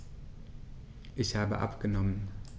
Ich habe abgenommen.